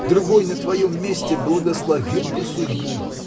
Другой на твоем месте благословил бы судьбу.